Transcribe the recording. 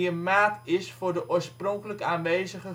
maat is voor de oorspronkelijk aanwezige